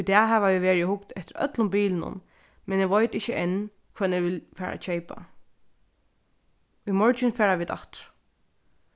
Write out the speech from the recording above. í dag hava vit verið og hugt eftir øllum bilunum men eg veit ikki enn hvønn eg vil fara at keypa í morgin fara vit aftur